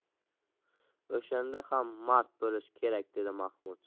o'shanda ham mard bo'lish kerak dedi mahmud